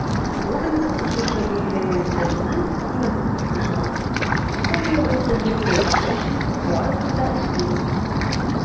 Бүген без шушы билгеләнгән темпны киметмәскә тырышабыз, республиканың эзлекле үсеше өчен барысын да эшлибез.